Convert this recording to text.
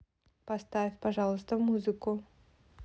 поставь пожалуйста музыку